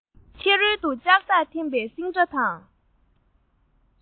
ཕྱི རོལ དུ ལྕགས ཐག འཐེན པའི སིང སྒྲ དང